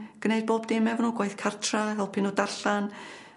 gneud bob dim efo n'w gwaith cartra helpu n'w darllan